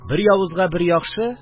– бер явызга – бер яхшы